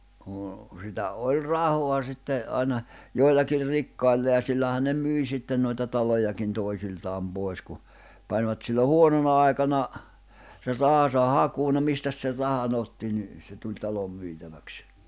no sitä oli rahaa sitten aina joillakin rikkailla ja sillähän ne myi sitten noita talojakin toisiltaan pois kun panivat silloin huonona aikana sen rahansa hakuun no mistäs sen rahan otti niin se tuli talo myytäväksi